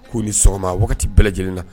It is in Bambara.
K'u ni sɔgɔma waati wagati bɛɛ lajɛlen na.